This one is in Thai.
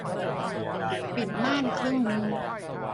ปิดม่านครึ่งนึง